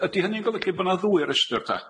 Y- ydi hynny'n golygu bo' na ddwy restyr ta?